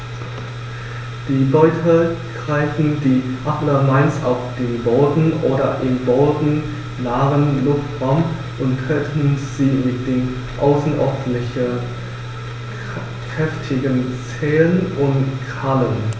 Die Beute greifen die Adler meist auf dem Boden oder im bodennahen Luftraum und töten sie mit den außerordentlich kräftigen Zehen und Krallen.